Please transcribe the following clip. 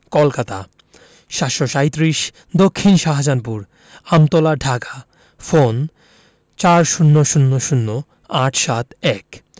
কলকাতা ৭৩৭ দক্ষিন শাহজাহানপুর আমতলা ঢাকা ফোনঃ ৪০০০ ৮৭১